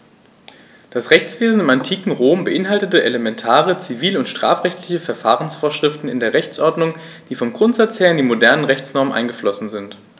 Das Rechtswesen im antiken Rom beinhaltete elementare zivil- und strafrechtliche Verfahrensvorschriften in der Rechtsordnung, die vom Grundsatz her in die modernen Rechtsnormen eingeflossen sind.